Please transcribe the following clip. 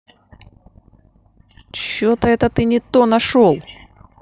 че то это ты не то нашел